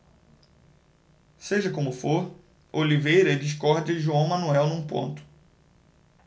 seja como for oliveira discorda de joão manuel num ponto